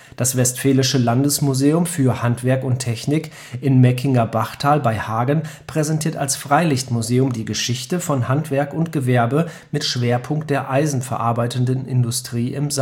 Das Westfälische Landesmuseum für Handwerk und Technik im Mäckingerbachtal bei Hagen präsentiert als Freilichtmuseum die Geschichte von Handwerk und Gewerbe, mit Schwerpunkt der eisenverarbeitenden Industrie im